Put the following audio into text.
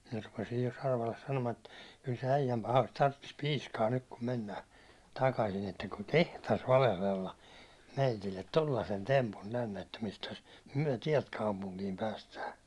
minä rupesin jo Sarvalle sanomaan että kyllä se äijän pahan tarvitsisi piiskaa nyt kun mennään takaisin että kun kehtasi valehdella meille tuollaisen tempun tänne että mistäs me täältä kaupunkiin päästään